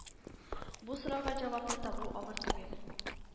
Бу сорауга җавапны табу авыр түгел